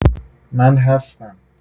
من هستم.